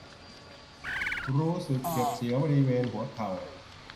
รู้สึกเจ็บเสียวบริเวณหัวเข่า